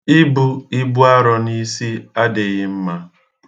Ibu ibu arọ n'isi adịghị mma.